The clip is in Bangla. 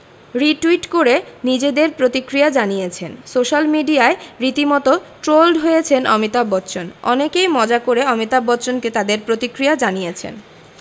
রিটুইট করে নিজেদের প্রতিক্রিয়া জানিয়েছেন সোশ্যাল মিডিয়ায় রীতিমতো ট্রোলড হয়েছেন অমিতাভ বচ্চন অনেকেই মজা করে অমিতাভ বচ্চনকে তাদের প্রতিক্রিয়া জানিয়েছেন